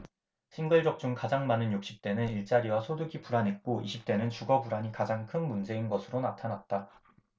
싱글족 중 가장 많은 육십 대는 일자리와 소득이 불안했고 이십 대는 주거 불안이 가장 큰 문제인 것으로 나타났다